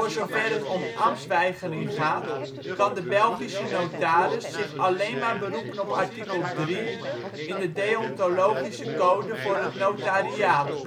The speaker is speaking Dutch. zover het om ambtsweigering gaat kan de Belgische notaris zich alleen maar beroepen op artikel 3 in de deontologische code voor het notariaat